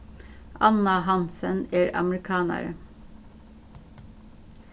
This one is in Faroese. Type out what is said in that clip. anna hansen er amerikanari